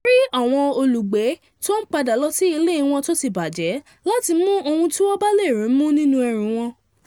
A rí àwọn olùgbé tó ń padà lọ sí ilé wọn tó ti bàjẹ́ láti mú ohun tí wọ́n bá lè rí mú nínú ẹrù wọn.